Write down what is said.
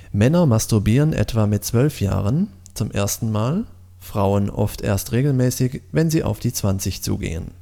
Männer masturbieren mit etwa 12 Jahren zum ersten Mal, Frauen oft erst regelmäßig, wenn sie auf die 20 zugehen